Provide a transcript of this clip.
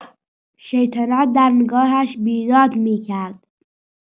شیطنت در نگاهش بیداد می‌کرد.